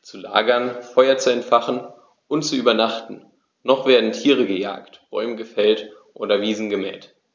zu lagern, Feuer zu entfachen und zu übernachten, noch werden Tiere gejagt, Bäume gefällt oder Wiesen gemäht.